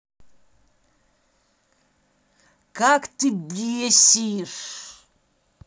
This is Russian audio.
как ты бесишь